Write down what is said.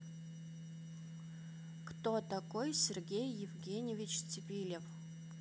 кто такой сергей евгеньевич цивилев